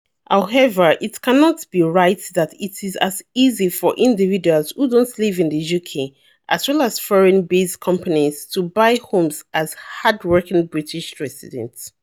However, it cannot be right that it is as easy for individuals who don't live in the UK, as well as foreign-based companies, to buy homes as hard-working British residents.